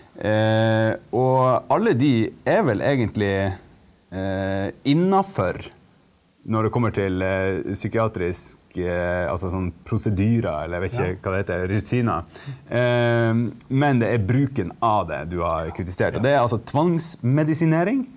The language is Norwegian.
og alle de er vel egentlig innafor når det kommer til psykiatrisk altså sånn prosedyrer eller, jeg vet ikke hva hva det heter, rutiner, men det er bruken av det du har kritisert, og det er altså tvangsmedisinering.